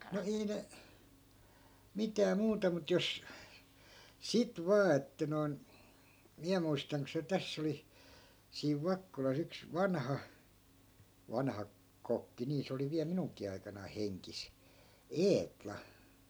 no ei ne mitään muuta mutta jos sitten vain että noin minä muistan kun se tässä oli siinä Vakkolassa yksi vanha vanha kokki niin se oli vielä minunkin aikanani hengissä Eetla